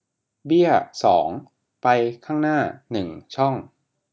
เบี้ยสองไปข้างหน้าหนึ่งช่อง